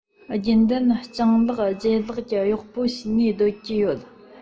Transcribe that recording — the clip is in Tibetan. རྒྱུན ལྡན སྤྱང ལགས ལྗད ལགས ཀྱི གཡོག པོ བྱས ནས སྡོད ཀྱི ཡོད